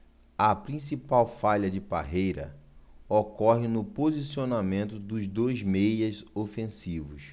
a principal falha de parreira ocorre no posicionamento dos dois meias ofensivos